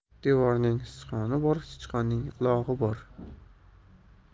devorning sichqoni bor sichqonning qulog'i bor